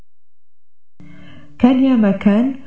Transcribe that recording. ترجمه